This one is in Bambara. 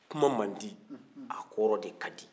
kuma man di a kɔrɔ de ka di